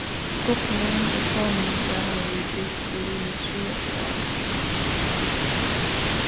gubbi mín og kona hansara hava verið gift í yvir tríati ár